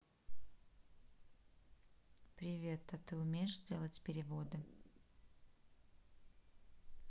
привет а ты умеешь делать переводы